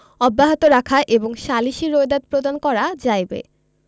অব্যাহত রাখা এবং সালিসী রোয়েদাদ প্রদান করা যাইবে